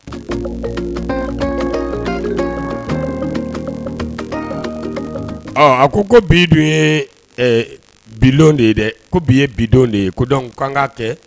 ɔ a ko ko bi dun yee ɛ bi lon de ye dɛ ko bi ye bi don de ye ko donc 'k'an ka kɛɛ